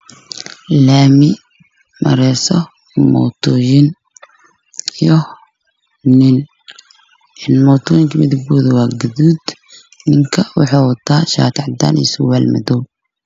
Waa laami waxaa maraayo mootooyin iyo nin. mootooyin midabkooda waa gaduud, nin waxuu wataa shaati cadaan ah iyo surwaal madow ah.